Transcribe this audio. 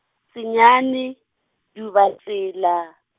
senyane Dibatsela.